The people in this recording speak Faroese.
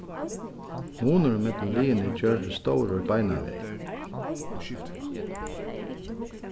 munurin millum liðini gjørdist stórur beinanvegin